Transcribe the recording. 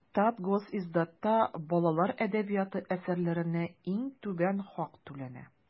Татгосиздатта балалар әдәбияты әсәрләренә иң түбән хак түләнә.